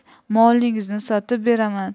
molingizni sotib beraman